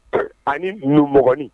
A ni nimɔgɔnin